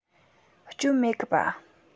སྐྱོན མེད གི པ